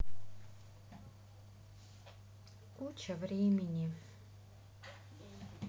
куча времени